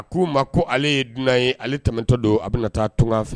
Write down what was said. A k'u ma ko ale ye dunan ye ale tɛmɛtɔ don a bena taa tuŋa fɛ